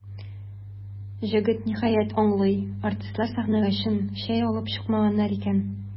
Җегет, ниһаять, аңлый: артистлар сәхнәгә чын чәй алып чыкмаганнар икән.